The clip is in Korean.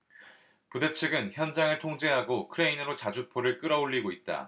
부대 측은 현장을 통제하고 크레인으로 자주포를 끌어올리고 있다